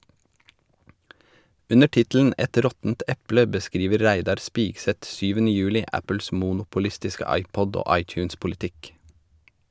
Under tittelen "Et råttent eple" beskriver Reidar Spigseth 7. juli Apples monopolistiske iPod- og iTunes-politikk.